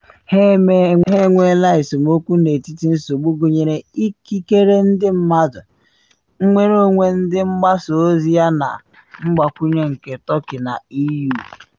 Ha enweela esemokwu n’ihi nsogbu gụnyere ikikere ndị mmadụ, nnwere onwe ndị mgbasa ozi yana mgbakwunye nke Turkey na EU.